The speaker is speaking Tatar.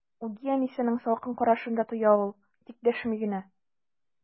Үги әнисенең салкын карашын да тоя ул, тик дәшми генә.